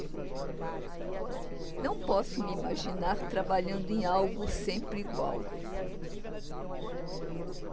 não posso me imaginar trabalhando em algo sempre igual